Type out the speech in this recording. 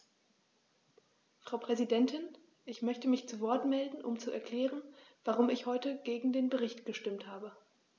Frau Präsidentin, ich möchte mich zu Wort melden, um zu erklären, warum ich heute gegen den Bericht gestimmt habe.